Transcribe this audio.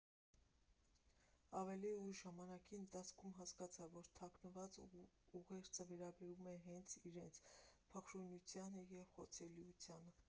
Ավելի ուշ, ժամանակի ընթացքում, հասկացա, որ թաքնված ուղերձը վերաբերում էր հենց իրենց փխրունությանը և խոցելիությանը։